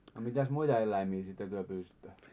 a mitäs muita eläimiä sitten te pyysitte